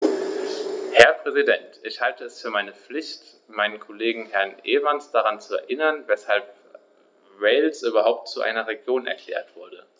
Herr Präsident, ich halte es für meine Pflicht, meinen Kollegen Herrn Evans daran zu erinnern, weshalb Wales überhaupt zu einer Region erklärt wurde.